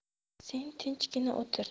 sen tinchgina o'tir